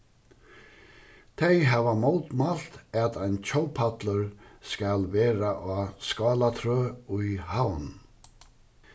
tey hava mótmælt at ein tjóðpallur skal vera á skálatrøð í havn